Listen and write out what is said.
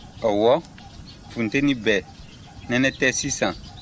ɔwɔ funteni bɛ nɛnɛ tɛ sisan